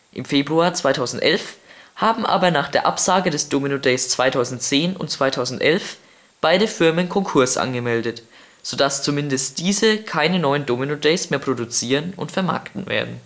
Im Februar 2011 haben aber nach der Absage der Domino Days 2010 und 2011 beide Firmen Konkurs angemeldet, sodass zumindest diese keine neuen Domino Days mehr produzieren und vermarkten werden